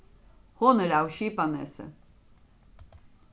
hon er av skipanesi